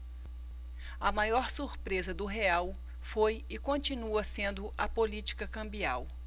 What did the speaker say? a maior surpresa do real foi e continua sendo a política cambial